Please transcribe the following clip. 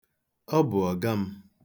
Ọ bụ ọga m.